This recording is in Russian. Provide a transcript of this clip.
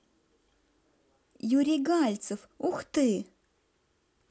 юрий гальцев ух ты